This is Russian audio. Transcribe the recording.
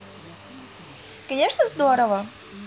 конечно здорово